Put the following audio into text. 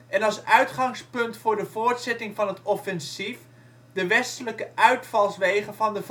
en als uitgangspunt voor de voortzetting van het offensief de westelijke uitvalswegen van de